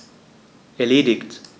Erledigt.